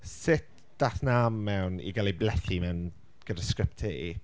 Sut daeth 'na mewn i gael ei blethu mewn gyda sgript ti?